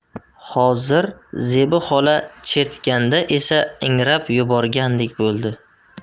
hozir zebi xola chertganda esa ingrab yuborgandek bo'ldi